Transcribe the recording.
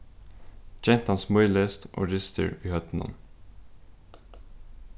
gentan smílist og ristir við høvdinum